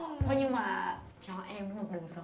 thôi nhưng mà cho em nó một đường sống